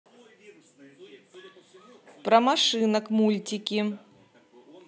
про машинок мультики